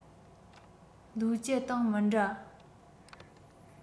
ལིའོ ཅེ དང མི འདྲ